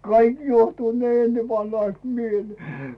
kaikki juohtuvat ne ennenvanhaiset mieleen